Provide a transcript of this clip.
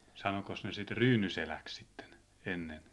sanoikos ne sitä Ryynyseläksi sitten ennen